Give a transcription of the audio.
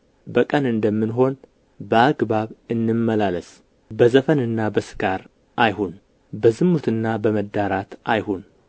በቀን እንደምንሆን በአገባብ እንመላለስ በዘፈንና በስካር አይሁን በዝሙትና በመዳራት አይሁን